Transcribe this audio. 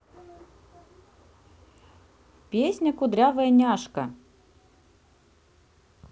песня кудрявая няшка